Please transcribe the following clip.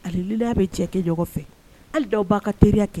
Aleliya bɛ cɛ kɛ fɛ hali dɔw b'a ka teriya kɛ